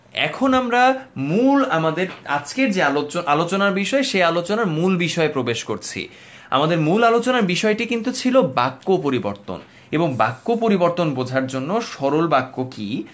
এখন আমরা মূল আমাদের আজকে যে আলোচনার বিষয় সে আলোচনার মূল বিষয়ে প্রবেশ করছি আমাদের মূল আলোচনার বিষয়টি কিন্তু ছিল বাক্য পরিবর্তন এবং বাক্য পরিবর্তন বোঝার জন্য সরল বাক্য কি